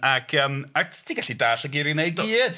Ac yym a ti'n gallu dalld y geiriau yna i gyd... yndw.